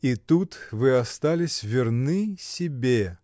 — И тут вы остались верны себе!